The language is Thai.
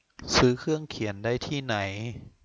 ซื้อเครื่องเขียนได้ที่ไหน